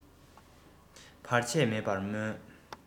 བར ཆད མེད པར སྨོན